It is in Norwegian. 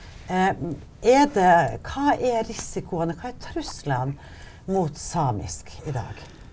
er det hva er risikoene og hva er truslene mot samisk i dag?